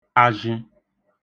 azhị